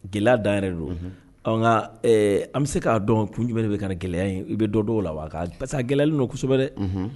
Gɛlɛya dan yɛrɛ don an bɛ se k'a dɔn kun jumɛn bɛ ka gɛlɛya i bɛ dɔ dɔw la wa parce que gɛlɛyalen don kosɛbɛ dɛ